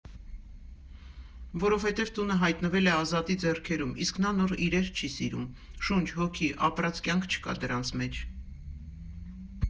Որովհետև տունը հայտնվել է Ազատի ձեռքերում, իսկ նա նոր իրեր չի սիրում՝ շունչ, հոգի, ապրած կյանք չկա դրանց մեջ։